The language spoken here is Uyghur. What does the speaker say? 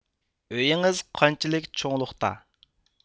ئۆيىڭىز قانچىلىك چوڭلۇقتا